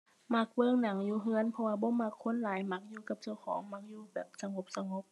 มักเบิ่งหนังอยู่เรือน เพราะว่าบ่มักคนหลาย มักอยู่กับเจ้าของ มักอยู่แบบสงบสงบ